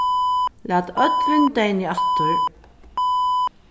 lat øll vindeyguni aftur